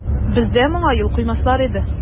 Бездә моңа юл куймаслар иде.